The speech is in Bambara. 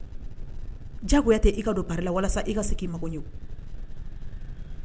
Jago tɛ i ka don la walasa i ka segin ii ma ye